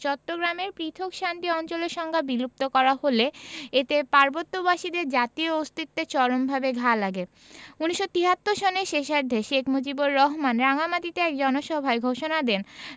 চট্টগ্রামের পৃথক শান্তি অঞ্চলের সংজ্ঞা বিলুপ্ত করা হলে এতে পার্বত্যবাসীদের জাতীয় অস্তিত্বে চরমভাবে ঘা লাগে ১৯৭৩ সনের শেষার্ধে শেখ মুজিবুর রহমান রাঙামাটিতে এক জনসভায় ঘোষণা দেন